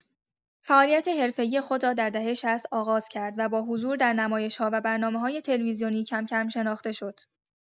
فعالیت حرفه‌ای خود را در دهه شصت آغاز کرد و با حضور در نمایش‌ها و برنامه‌‌های تلویزیونی کم‌کم شناخته شد.